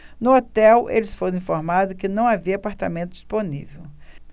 no hotel eles foram informados que não havia apartamento disponível